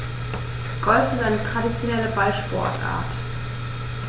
Golf ist eine traditionelle Ballsportart.